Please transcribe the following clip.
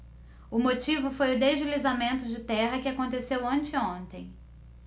o motivo foi o deslizamento de terra que aconteceu anteontem